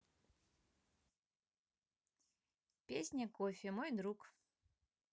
песня кофе мой друг